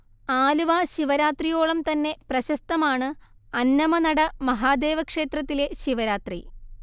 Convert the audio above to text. ആലുവ ശിവരാത്രിയോളം തന്നെ പ്രശസ്തമാണ് അന്നമനട മഹാദേവ ക്ഷേത്രത്തിലെ ശിവരാത്രി